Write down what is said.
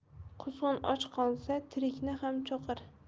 quzg'un och qolsa tirikni ham cho'qir